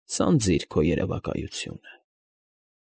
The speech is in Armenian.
Սանձիր քո երևակայությունը։